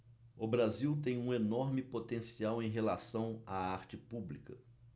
o brasil tem um enorme potencial em relação à arte pública